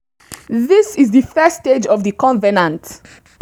This is the first stage of the covenant.